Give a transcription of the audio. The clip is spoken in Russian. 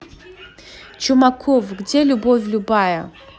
чумаков где любовь любая